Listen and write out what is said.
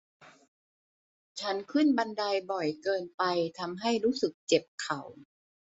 ฉันขึ้นบันไดบ่อยเกินไปทำให้รู้สึกเจ็บเข่า